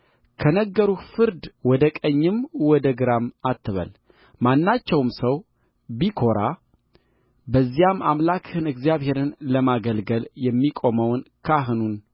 ከነገሩህ ፍርድ ወደ ቀኝም ወደ ግራም አትበል ማናቸውም ሰው ቢኰራ በዚያም አምላክህን እግዚአብሔርን ለማገልገል የሚቆመውን ካህኑን